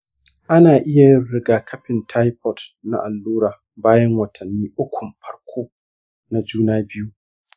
ana iya yin rigakafin taifoid na allura bayan watanni ukun farko na juna biyu.